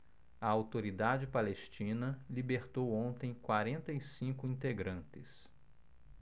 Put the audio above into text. a autoridade palestina libertou ontem quarenta e cinco integrantes